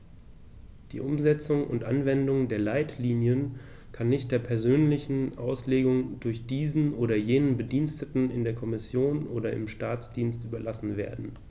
Die Umsetzung und Anwendung der Leitlinien kann nicht der persönlichen Auslegung durch diesen oder jenen Bediensteten in der Kommission oder im Staatsdienst überlassen werden.